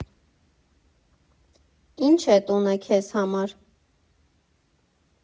Ի՞նչ է տունը քեզ համար։